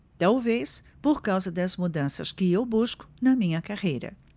talvez por causa das mudanças que eu busco na minha carreira